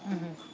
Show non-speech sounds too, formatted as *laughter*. *hesitation* *hesitation*